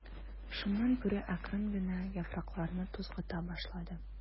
Шуннан Бүре акрын гына яфракларны тузгыта башлады.